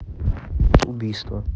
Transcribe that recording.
код убийства